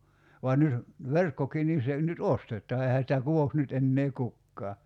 vaan nyt verkkokin niin se nyt ostetaan eihän sitä kutoisi nyt enää kukaan